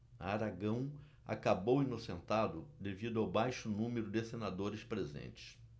aragão acabou inocentado devido ao baixo número de senadores presentes